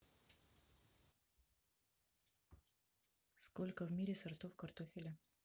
сколько в мире сортов картофеля